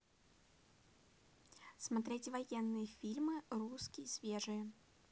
смотреть военные фильмы русские свежие